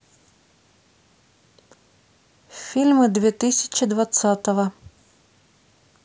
фильмы две тысячи двадцатого